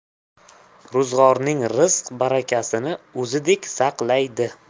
ro'zg'orning rizq barakasini o'zidek saqlayd